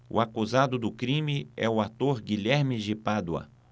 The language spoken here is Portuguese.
o acusado do crime é o ator guilherme de pádua